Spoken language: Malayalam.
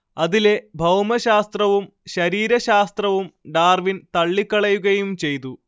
അതിലെ ഭൗമശാസ്ത്രവും ശരീരശാസ്ത്രവും ഡാർവിൻ തള്ളിക്കളയുകയും ചെയ്തു